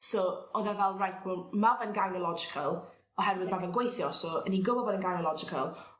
So o'dd e fel reit wel ma' fe'n gynelogical oherwydd ma' fe'n gweithio so 'yn ni gwbo bod e'n gynelogical